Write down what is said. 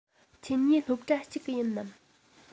ཁྱེད གཉིས སློབ གྲྭ གཅིག གི ཡིན ནམ